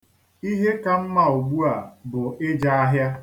Ihe ka mma ugbua bụ ịje ahịa.